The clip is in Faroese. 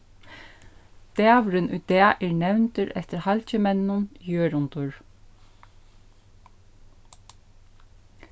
dagurin í dag er nevndur eftir halgimenninum jørundur